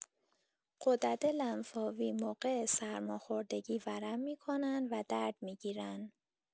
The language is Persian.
غدد لنفاوی موقع سرماخوردگی ورم می‌کنن و درد می‌گیرن.